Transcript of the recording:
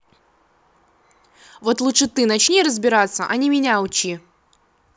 вот лучше ты начни разбираться а не меня учи